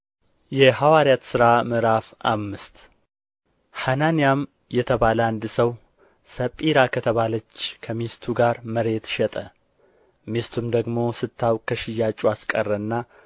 የሐዋርያት ሥራ ምዕራፍ አምስት ሐናንያም የተባለ አንድ ሰው ሰጲራ ከተባለች ከሚስቱ ጋር መሬት ሸጠ ሚስቱም ደግሞ ስታውቅ ከሽያጩ አስቀረና